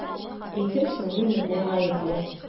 Әйтерсең мин генә гаепле!